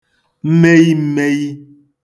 mmeyi m̄mēyī